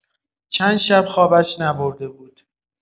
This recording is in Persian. چند شب خوابش نبرده بود.